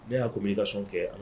Ne y'a ko n i ka sɔn kɛ